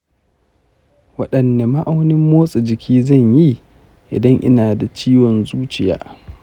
waɗanne nau'in motsa jiki zan yi idan ina da ciwon zuciya?